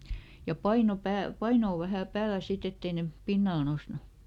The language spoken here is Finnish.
ja paino päälle painoa vähän päälle sitten että ei ne pinnalle noussut